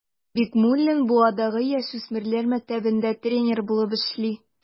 Бикмуллин Буадагы яшүсмерләр мәктәбендә тренер булып эшли.